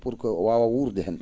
pour que ngu waawa wuurde heen